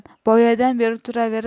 boyadan beri turaverib